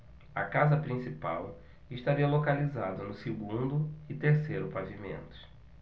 a casa principal estaria localizada no segundo e terceiro pavimentos